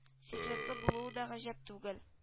Секретлы булуы да гаҗәп түгел